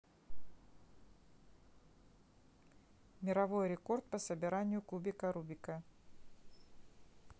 мировой рекорд по собиранию кубика рубика